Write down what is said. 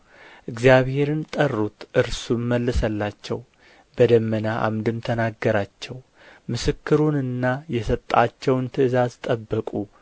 እግዚአብሔርን ጠሩት እርሱም መለሰላቸው በደመና ዓምድም ተናገራቸው ምስክሩንና የሰጣቸውን ትእዛዝ ጠበቁ